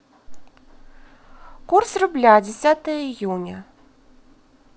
курс рубля десятое июня